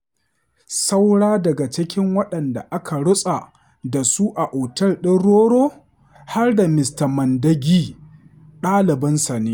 Saura daga cikin waɗanda aka rutsa da su a otel ɗin Roa Roa, har da Mista Mandagi, ɗalibansa ne.